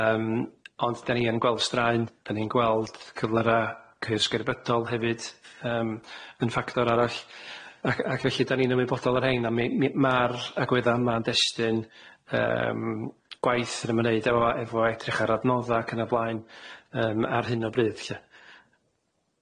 Yym ond dan ni yn gweld straen, dan ni'n gweld cyflyra' cyrsgerbydol hefyd yym yn ffactor arall, ac ac felly dan ni'n ymwybodol o rhein a mi- mi- ma'r agwedda' yma'n destun yym gwaith yn ymwneud efo efo edrych ar adnodda ac yn y blaen yym ar hyn o bryd lly.